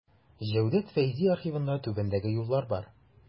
Җәүдәт Фәйзи архивында түбәндәге юллар бар.